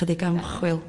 a chydig o ymchwil